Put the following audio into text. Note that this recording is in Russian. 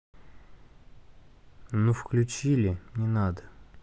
ну включили не надо